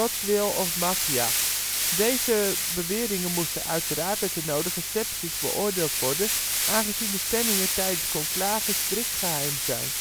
's wil of maffia. Deze beweringen moeten uiteraard met de nodige scepsis beoordeeld worden aangezien de stemmingen tijdens conclaven strikt geheim zijn